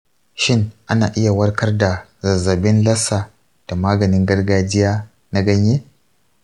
shin ana iya warkar da zazzabin lassa da maganin gargajiya na ganye?